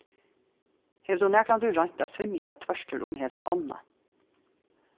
hevur tú nakrantíð roynt at svimja tvørtur um hesa ánna